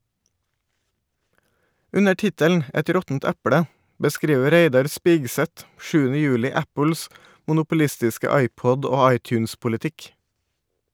Under tittelen "Et råttent eple" beskriver Reidar Spigseth sjuende juli Apples monopolistiske iPod- og iTunes-politikk.